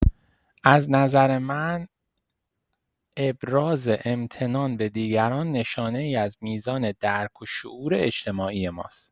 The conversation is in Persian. از نظر من، ابراز امتنان به دیگران نشانه‌ای از میزان درک و شعور اجتماعی ماست.